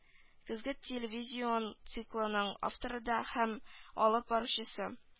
Көзге телевизион циклының авторы да һәм алып баручысы